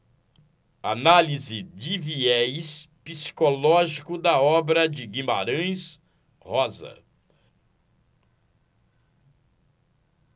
análise de viés psicológico da obra de guimarães rosa